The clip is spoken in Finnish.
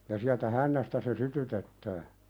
ja sieltä hännästä se sytytetään